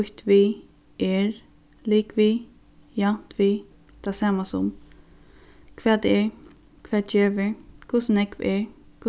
býtt við er ligvið javnt við tað sama sum hvat er hvat gevur hvussu nógv er